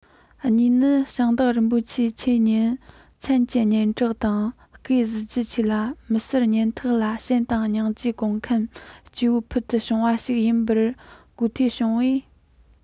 གཉིས ནི ཞིང བདག རིན པོ ཆེ ཁྱེད ཉིད མཚན གྱི སྙན གྲགས དང སྐུ ཡི གཟི བརྗིད ཆེ ལ མི སེར ཉམ ཐག ལ བྱམས དང སྙིང རྗེ དགོངས མཁན སྐྱེ བོ ཕུལ དུ བྱུང ཞིག ཡིན པར གོ ཐོས བྱུང བས